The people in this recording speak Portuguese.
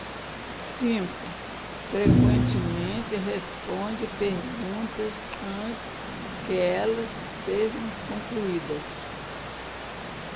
cinco frequentemente responde perguntas antes que elas sejam concluídas